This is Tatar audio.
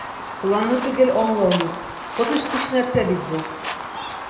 "планны төгәл аңлау юк, коточкыч нәрсә бит бу!"